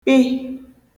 pị